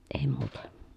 ei muuta